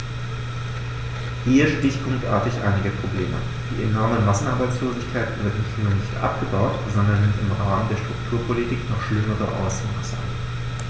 Hier stichpunktartig einige Probleme: Die enorme Massenarbeitslosigkeit wird nicht nur nicht abgebaut, sondern nimmt im Rahmen der Strukturpolitik noch schlimmere Ausmaße an.